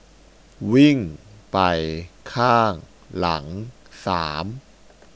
วิ่งไปข้างหลังสาม